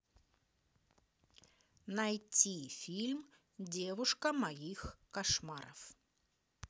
найти фильм девушка моих кошмаров